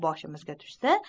boshimizga tushsa